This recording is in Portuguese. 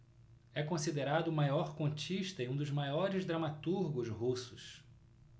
é considerado o maior contista e um dos maiores dramaturgos russos